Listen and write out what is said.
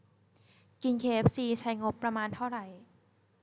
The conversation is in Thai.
กินเคเอฟซีใช้งบประมาณเท่าไหร่